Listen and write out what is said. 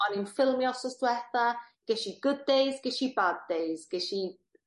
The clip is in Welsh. o'n i'n ffilmio wsos dwetha, ges i good days gesh i bad days gesh i